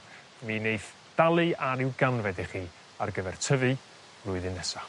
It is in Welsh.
Mi neith dalu ar ryw ganfed i chi ar gyfer tyfu flwyddyn nesa.